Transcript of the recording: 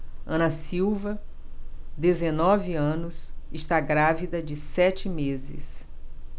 ana silva dezenove anos está grávida de sete meses